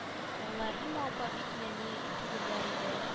Алар римма апа бик нәни түгелләр иде